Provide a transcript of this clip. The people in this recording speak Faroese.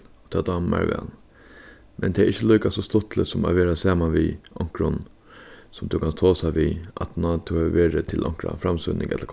tað dámar mær væl men tað er ikki líka so stuttligt sum at vera saman við onkrum sum tú kanst tosa við aftaná tú hevur verið til onkra framsýning ella